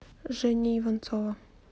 женя иванцова